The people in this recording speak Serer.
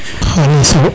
xaliso